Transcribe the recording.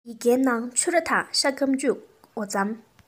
ཡི གེའི ནང ཕྱུར ར དང ཤ སྐམ འོ ཕྱེ